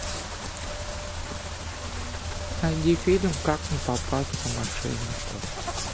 найди фильм как не попасться мошеннику